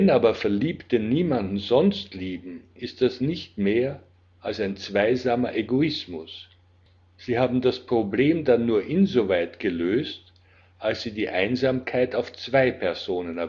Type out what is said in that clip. aber Verliebte niemanden sonst lieben, ist das nicht mehr als ein zweisamer Egoismus; sie haben das Problem dann nur insoweit gelöst, als sie die Einsamkeit auf zwei Personen